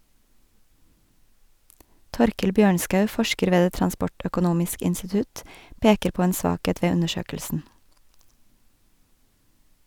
Torkel Bjørnskau, forsker ved det Transportøkonomisk institutt, peker på en svakhet ved undersøkelsen.